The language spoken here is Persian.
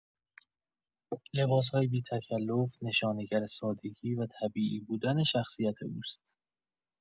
لباس‌های بی‌تکلف، نشانگر سادگی و طبیعی بودن شخصیت اوست.